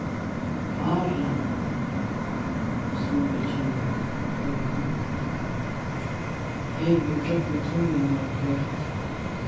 haran sum vit kenna í føroyum hevur gjøgnum tíðirnar broytt